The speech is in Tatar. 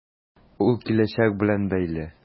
Ул киләчәк белән бәйле.